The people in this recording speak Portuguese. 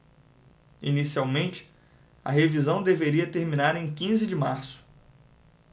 inicialmente a revisão deveria terminar em quinze de março